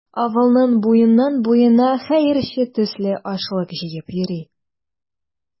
Авылның буеннан-буена хәерче төсле ашлык җыеп йөри.